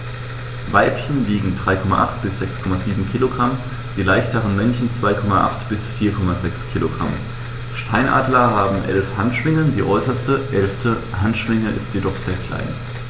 Weibchen wiegen 3,8 bis 6,7 kg, die leichteren Männchen 2,8 bis 4,6 kg. Steinadler haben 11 Handschwingen, die äußerste (11.) Handschwinge ist jedoch sehr klein.